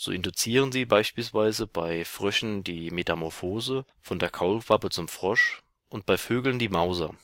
induzieren sie beispielsweise bei Fröschen die Metamorphose von der Kaulquappe zum Frosch und bei Vögeln die Mauser